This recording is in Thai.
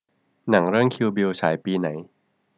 หนังเรื่องคิลบิลฉายปีไหน